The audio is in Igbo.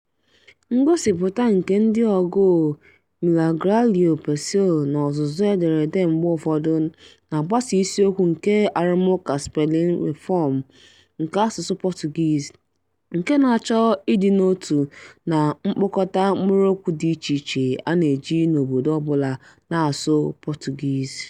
Ngosịpụta nke ndị ọgụụ Milagrário Pessoal n'ozuzu ederede mgbe ụfọdụ na-agbasa isiokwu nke arụmụka Spelling Reform nke asụsụ Portuguese, nke na-achọ ịdị n'otu na mkpokọta mkpụrụokwu dị icheiche a na-eji n'obodo ọbụla na-asụ Portuguese.